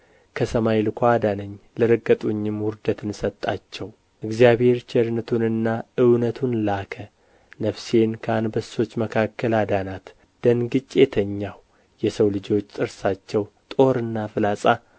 ከሰማይ ልኮ አዳነኝ ለረገጡኝም ውርደትን ሰጣቸው እግዚአብሔር ቸርነቱንና እውነቱን ላከ ነፍሴን ከአንበሶች መካከል አዳናት ደንግጬ ተኛሁ የሰው ልጆች ጥርሳቸው ጦርና ፍላጻ